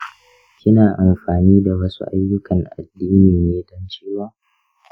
kina amfani da wasu ayyukan addini ne don ciwon?